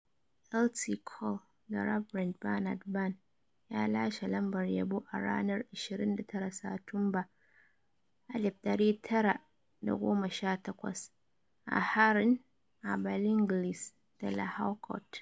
Lt Col The Reverend Bernard Vann ya lashe lambar yabo a ranar 29 Satumba 1918 a harin a Bellenglise da Lehaucourt.